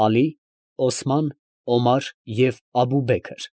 Ալի, Օսման, Օմար և Աբուբեքը։